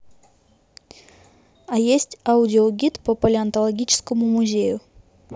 а есть аудиогид по палеонтологическому музею